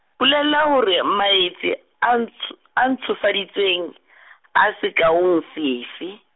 bolela hore maetsi a nts-, a ntshofaditsweng , a sekaong sefe.